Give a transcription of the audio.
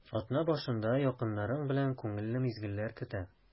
Атна башында якыннарың белән күңелле мизгелләр көтә.